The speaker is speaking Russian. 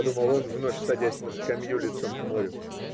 думал он, вновь садясь на скамью лицом к морю.